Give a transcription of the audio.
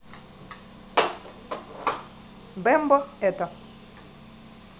бембо это